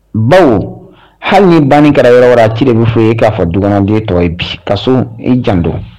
Bawo hali ni banni kɛra yɔrɔ wɛrɛ a ci de be fo i ye i k'a fɔ dukɔnɔden tɔ ye bi kasoo i janto